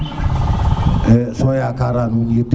e so yakara nuun it